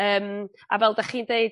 yym a fel 'dach chi'n deud...